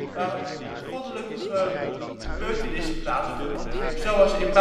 waar goddelijke gebeurtenissen plaatsvonden, zoals in